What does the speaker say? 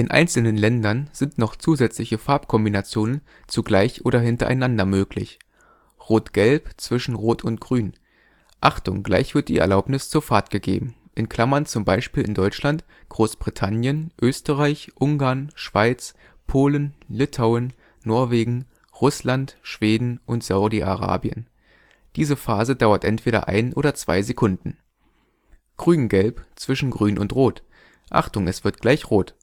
einzelnen Ländern sind noch zusätzliche Farbkombinationen zugleich oder hintereinander möglich: Rot-Gelb: Zwischen Rot und Grün: Achtung, gleich wird die Erlaubnis zur Fahrt gegeben. (zum Beispiel in Deutschland, Großbritannien, Österreich, Ungarn, Schweiz, Polen, Litauen, Norwegen, Russland, Schweden, Saudi-Arabien). Diese Phase dauert entweder 1 oder 2 s. Grün-Gelb: Zwischen Grün und Rot: Achtung, es wird gleich Rot